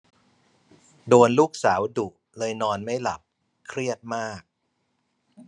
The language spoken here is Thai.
โดนลูกสาวดุเลยนอนไม่หลับเครียดมาก